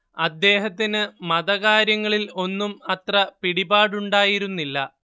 അദ്ദേഹത്തിന് മതകാര്യങ്ങളിൽ ഒന്നും അത്ര പിടിപാടുണ്ടായിരുന്നില്ല